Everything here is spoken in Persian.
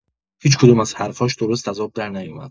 هیچ کدوم از حرفاش درست از آب در نیومد!